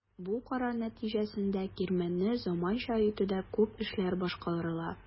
Бу карар нәтиҗәсендә кирмәнне заманча итүдә күп эшләр башкарыла.